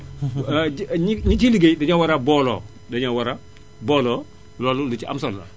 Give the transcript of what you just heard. ñi ciy liggéey dañoo war a booloo dañoo war a boolee loolu lu ci am solo la